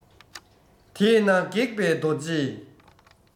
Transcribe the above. དེས ན སྒེག པའི རྡོ རྗེ